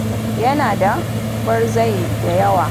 Yana da gwarzaye da yawa.